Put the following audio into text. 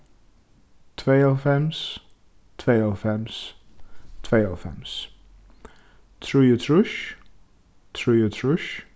tveyoghálvfems tveyoghálvfems tveyoghálvfems trýogtrýss trýogtrýss